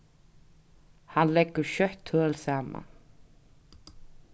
hann leggur skjótt tøl saman